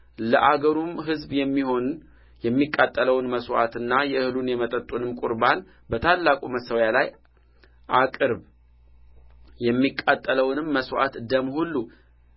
ለአገሩም ሕዝብ የሚሆን የሚቃጠለውን መሥዋዕትና የእህሉን የመጠጡንም ቍርባን በታላቁ መሠዊያ ላይ አቅርብ የሚቃጠለውንም መሥዋዕት ደም ሁሉ